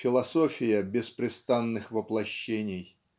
философия беспрестанных воплощений.